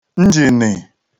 njìnì